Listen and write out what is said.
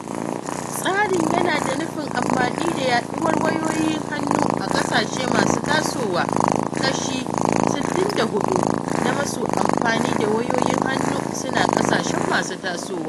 Tsarin yana da nufin amfani da yaɗuwar wayoyin hannu a ƙasashe masu tasowa – kashi 64% na masu amfani da wayoyin hannu suna ƙasashen masu tasowa.